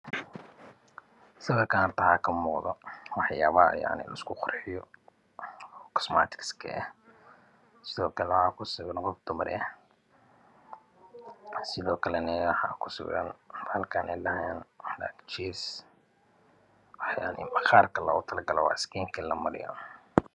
Swirkan inta waxa ka muuqda waxa yaabah yacni la isku qurxiyo cosmetics ah sidoo kale waxa ku sawiran qof dumar ah sido kale waxa ku sawiran halkan indhaahajiis waxyabaha maqarka loogu talagalay oo sikiinka la mariyi